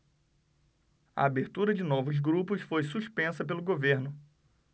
a abertura de novos grupos foi suspensa pelo governo